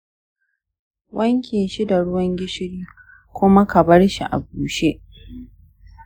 wanke shi da ruwan gishiri kuma ka bar shi a bushe.